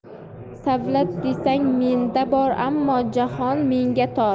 savlat desang menda bor ammo jahon menga tor